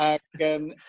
Ag yn